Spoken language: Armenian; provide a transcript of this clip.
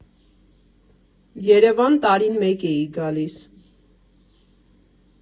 Երևան տարին մեկ էի գալիս։